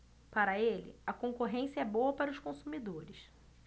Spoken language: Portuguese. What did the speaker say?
para ele a concorrência é boa para os consumidores